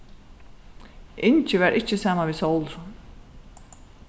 ingi var ikki saman við sólrun